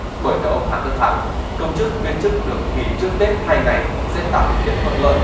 bởi theo ông hà tất thắng công chức viên chức được nghỉ trước tết hai ngày sẽ tạo điều kiện thuận lợi